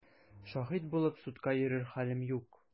Шаһит булып судка йөрер хәлем юк!